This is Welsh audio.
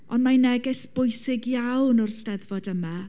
Ond mae'n neges bwysig iawn o'r Steddfod yma